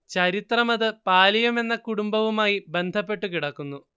ചരിത്രം അത് പാലിയം എന്ന കുടുംബവുമായി ബന്ധപ്പെട്ടു കിടക്കുന്നു